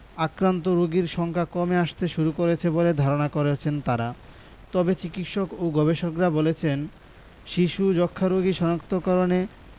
আক্রান্ত রোগীর সংখ্যা কমে আসতে শুরু করেছে বলে ধারণা করেছেন তারা তবে চিকিৎসক ও গবেষকরা বলছেন শিশু যক্ষ্ণারোগী শনাক্ত করণে